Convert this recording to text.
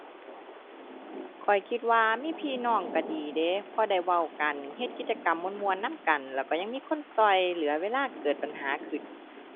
ข้อยคิดว่ามีพี่น้องก็ดีเดะ เพราะได้เว้ากัน เฮ็ดกิจกรรมม่วนม่วนนำกัน แล้วก็ยังมีคนก็เหลือเวลาเกิดปัญหาขึ้น